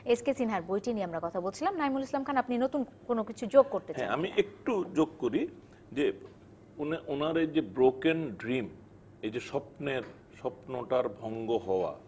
S K সিনহার বইটি নিয়ে আমরা কথা বলছিলাম নাঈমুল ইসলাম খান আপনি নতুন কোন কিছু যোগ করতে চান কি না হ্যাঁ আমি একটু যোগ করি যে উনার ব্রকেন ড্রিম স্বপ্নের স্বপ্নটা ভঙ্গ হওয়া